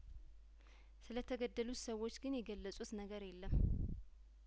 ስለተገደሉት ሰዎች ግን የገለጹት ነገር የለም